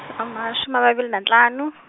amashumi amabili nanhlanu.